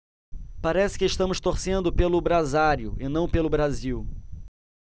parece que estamos torcendo pelo brasário e não pelo brasil